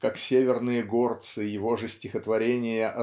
как северные горцы его же стихотворения